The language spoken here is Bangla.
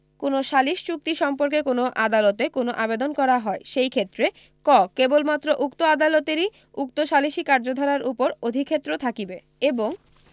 কোন সালিস চুক্তি সম্পর্কে কোন আদালতে কোন আবেদন করা হয় সেইক্ষেত্রে ক কেবলমাত্র উক্ত আদালাতেরই উক্ত সালিসী কার্যধারার উপর অধিক্ষেত্র থাকিবে এবং